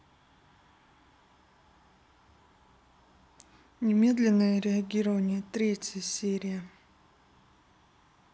немедленное реагирование третья серия